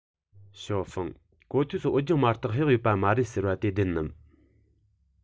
ཞའོ ཧྥུང གོ ཐོས སུ བོད ལྗོངས མ གཏོགས གཡག ཡོད པ མ རེད ཟེར བ དེ བདེན ནམ